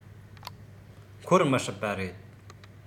འཁོར མི སྲིད པ རེད